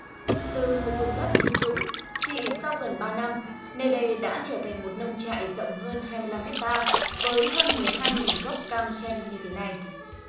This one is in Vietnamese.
từ một vùng đất chiêm trũng chỉ sau gần ba năm nơi đây đã trở thành một nông trại rộng hơn hai mươi lăm héc ta với hơn mười hai nghìn gốc cam chanh như thế này